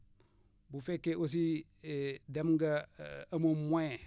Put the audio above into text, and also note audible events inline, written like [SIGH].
bu fekkee aussi [HESITATION] dem nga [HESITATION] amoo moyen